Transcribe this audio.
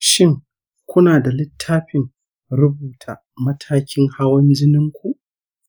shin, kuna da littafin rubuta matakin hawan jinin ku?